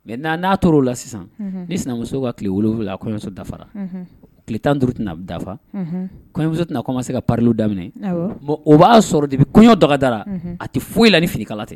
Maintenant n'a tor'o la sisan unhun ni sinamuso ka tile 7 a ka kɔɲɔso dafara unhun tile 15 tɛna b dafa unhun kɔɲɔmuso tɛna commencer ka pariliw daminɛ awɔ bon o b'a sɔrɔ dépuis kɔɲɔ dɔgɔdara unhun a te foyi la ni finikala ten